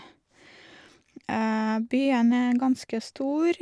Byen er ganske stor.